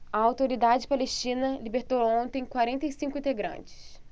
a autoridade palestina libertou ontem quarenta e cinco integrantes